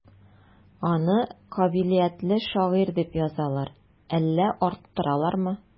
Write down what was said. Аны кабилиятле шагыйрь дип язалар, әллә арттыралармы?